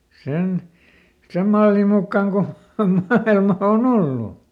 sen sen mallin mukaan kuin maailma on ollut